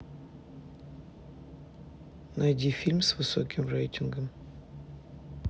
найди фильм с высоким рейтингом